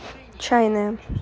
чайная